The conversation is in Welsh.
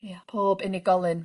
Ia pob unigolyn.